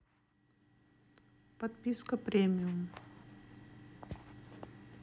подписка премиум